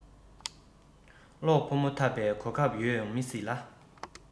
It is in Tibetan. གློག ཕོ མོ འཐབས པའི གོ སྐབས ཡོང མི སྲིད ལ